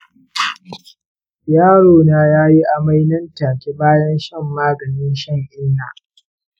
yarona ya yi amai nan take bayan shan maganin shan-inna.